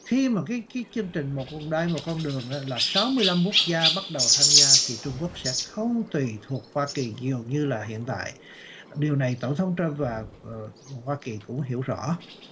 khi mà cái cái chương trình một vòng đai một con đường là sáu mươi lăm quốc gia bắt đầu tham gia thì trung quốc sẽ không tùy thuộc hoa kỳ nhiều như là hiện tại điều này tổng thống trăm và hoa kỳ thủ hiểu rõ